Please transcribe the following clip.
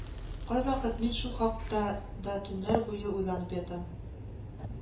Кайвакыт мин шул хакта да төннәр буе уйланып ятам